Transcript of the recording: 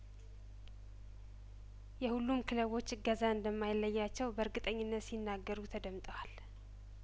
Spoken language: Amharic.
የሁሉም ክለቦች እገዛ እንደማይለያቸው በእርግጠኝነት ሲናገሩ ተደምጠዋል